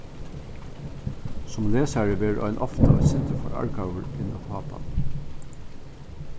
sum lesari verður ein ofta eitt sindur forargaður inn á pápan